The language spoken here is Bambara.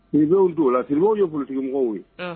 Sidibew t'o la Sidibew ye politikimɔgɔw ye